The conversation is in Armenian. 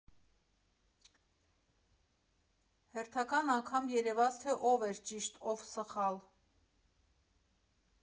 Հերթական անգամ երևաց, թե ով էր ճիշտ, ով՝ սխալ։